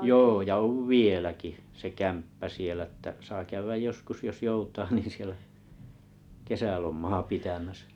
joo ja on vieläkin se kämppä siellä että saa käydä joskus jos joutaa niin siellä kesälomaa pitämässä